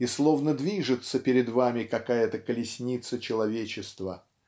и словно движется перед вами какая-то колесница человечества.